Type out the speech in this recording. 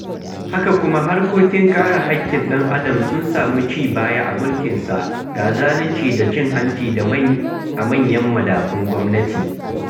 Haka kuma, harkokin kare haƙƙin ɗan'adam sun samu cibaya a mulkinsa, ga zalunci da cin hanci a manyan madafun gwamnati.